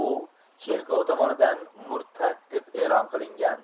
u cherkov tomonidan murtad deb e'lon qilingan